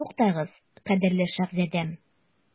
Туктагыз, кадерле шаһзадәм.